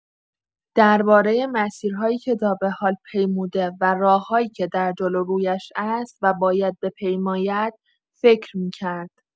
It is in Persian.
درباره مسیرهایی که تا به‌حال پیموده و راه‌هایی که در جلوی رویش است و باید بپیماید، فکر می‌کرد.